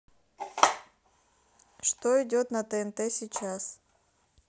что идет на тнт сейчас